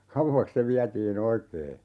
kauaksi se vietiin oikein